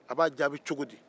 a b'a jaabi cogo di